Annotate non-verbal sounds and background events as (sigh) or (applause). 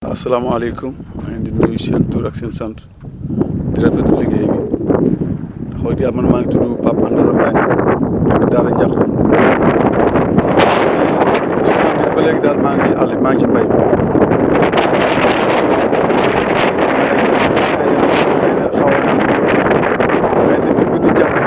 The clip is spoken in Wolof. asalaamaaleykum (noise) maa ngi leen di nuyu seen tur ak seen sant (noise) di rafetlu liggéey bi (noise) * man maa ngi tudd Pape Alanda Mbengue (noise) dëkk Daara Ndiakhoum (noise) depuis soixante dix ba léegi daal maa ngi si àll bi (noise) maa ngi ci mbéy mi (noise) (unintelligible)